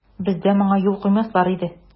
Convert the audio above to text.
Бездә моңа юл куймаслар иде.